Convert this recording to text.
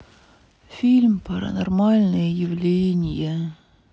фильм паранормальное явление